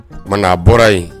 mana a bɔra yen